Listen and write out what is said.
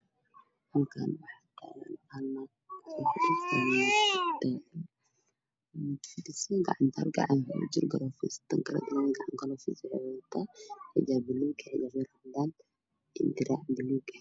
Waxaa fadhiya gabar gacanta ayaa lagu darayaa gabar kale ee dul taagan gallo gacanta